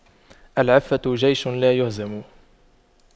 العفة جيش لايهزم